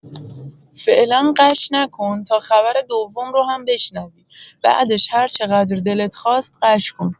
فعلا غش نکن تا خبر دوم رو هم بشنوی، بعدش هرچقدر دلت خواست غش کن.